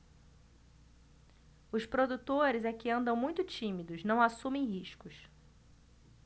os produtores é que andam muito tímidos não assumem riscos